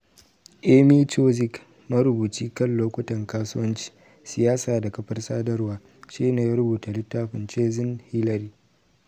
Amy Chozick, marubuci kan lokutan kasuwanci, siyasa da kafar sadarwa, shi ne ya rubuta littafin “Chasing Hillary.”